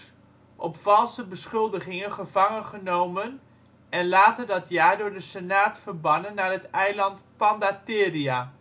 valse beschuldigingen gevangengenomen en later dat jaar door de Senaat verbannen naar het eiland Pandateria